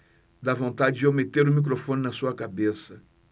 dá vontade de eu meter o microfone na sua cabeça